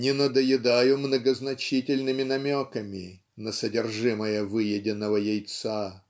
Не надоедаю многозначительными намеками На содержимое выеденного яйца.